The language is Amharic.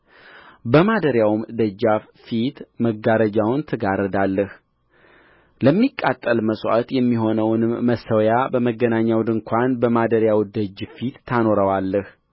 በማደሪያውም ደጃፍ ፊት መጋረጃውን ትጋርዳለህ ለሚቃጠል መሥዋዕት የሚሆነውንም መሠዊያ በመገናኛው ድንኳን በማደሪያው ደጅ ፊት ታኖረዋለህ